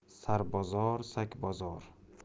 sarbozor sakbozor